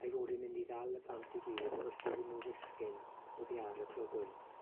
a'i fod yn mynd i ddal y plant i gyd wrth iddyn nhw ddisgyn oddi ar y clogwyn.